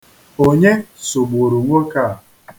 Onye sugburu nwoke a?